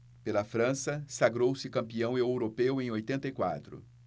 pela frança sagrou-se campeão europeu em oitenta e quatro